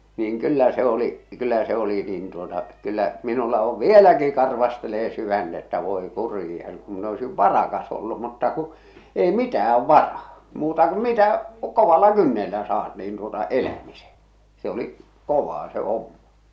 niin kyllä se oli kyllä se oli niin tuota kyllä minulla on vieläkin karvastelee sydäntä että voi kurja kun minä olisin varakas ollut mutta kun ei mitään varaa muuta kuin mitä kovalla kynnellä saat niin tuota elämisen se oli kovaa se homma